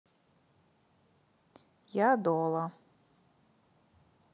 я дола